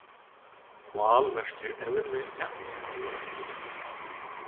mál merkir evni at tala